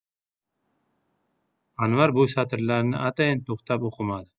anvar bu satrlarni atayin to'xtab o'qimadi